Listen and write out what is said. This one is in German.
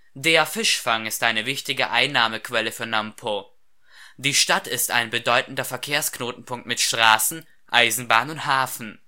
Der Fischfang ist eine wichtige Einnahmequelle für Namp’ o. Die Stadt ist ein bedeutender Verkehrsknotenpunkt mit Straßen, Eisenbahn und Hafen